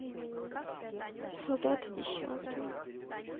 солдаты десятые